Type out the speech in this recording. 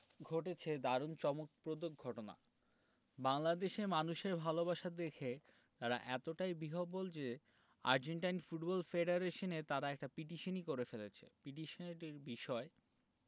ঘটেছে দারুণ চমকপ্রদ ঘটনা বাংলাদেশের মানুষের ভালোবাসা দেখে তারা এতটাই বিহ্বল যে আর্জেন্টাইন ফুটবল ফেডারেশনে তারা একটা পিটিশনই করে ফেলেছে পিটিশনটির বিষয়